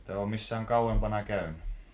ette ole missään kauempana käynyt